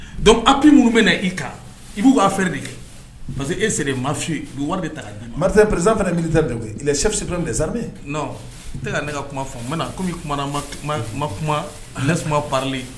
Donc appui minnu bɛ na i kan, i b'u ka affaire de kɛ parce que eux c'est des mafieux , u wari de ta ka d'i ma, président fana ye militaire de ye koyi, il est chef supprème des armées, non, itɛ ka ne ka kuma faamu komi i kumana n ma kumalaisse moi parler